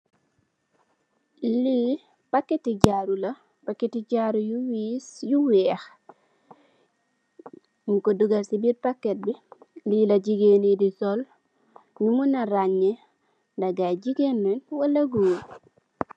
Li packetti jaru la packetti jaru yu wees yu weex nun ko dogal ci biirpacket bi le la jigeen yi di sol nu mo nah rangnee dakh guy jigeen len wala goor.